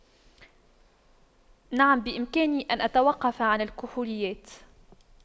نعم بإمكاني أن أتوقف عن الكحوليات